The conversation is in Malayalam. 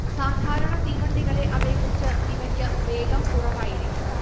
സാധാരണ തീവണ്ടികളെ അപേക്ഷിച്ച് ഇവക്ക് വേഗം കുറവായിരിക്കും